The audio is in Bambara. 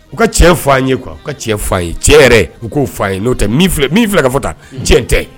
U ka cɛ fa ye u kan u ka cɛ fa ye cɛ yɛrɛ u k'o fa ye n'o tɛ min fila ka fɔta cɛn tɛ